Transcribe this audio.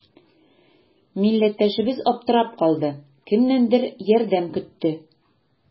Милләттәшебез аптырап калды, кемнәндер ярдәм көтте.